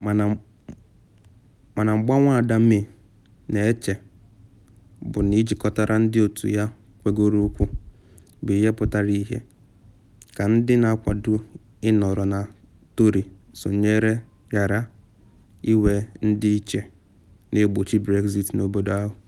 Mana mgba Nwada May na eche bụ na ijikọtagharị ndị otu ya kewagoro ukwuu bụ ihe pụtara ihie ka ndị na akwado Ịnọrọ Na Tory sonyere ngagharị iwe dị iche na egbochi Brexit n’obodo ahụ.